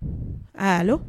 A y'